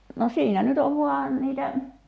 no siinä nyt on vain niitä